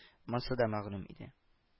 Монсы да мәгълүм иде